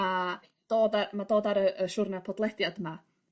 Ma' dod yy ma' dod ar y y siwrne podlediad 'ma